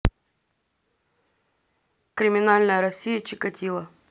криминальная россия чикатило